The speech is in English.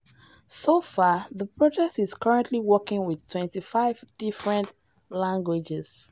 So far, the project is currently working with 25 different languages.